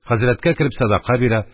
Хәзрәткә кереп сәдака бирә,